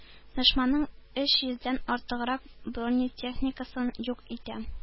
Дошманның өч йөздән артыграк бронетехникасын юк итә.